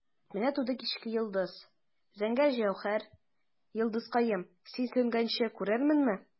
Менә туды кичке йолдыз, зәңгәр җәүһәр, йолдызкаем, син сүнгәнче күрерменме?